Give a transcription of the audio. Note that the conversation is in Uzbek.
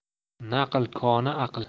naql koni aql